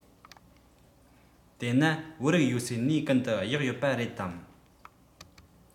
དེ ན བོད རིགས ཡོད སའི གནས ཀུན ཏུ གཡག ཡོད པ རེད དམ